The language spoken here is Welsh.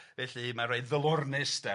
Felly, mae'n rhoi ddilornus, 'de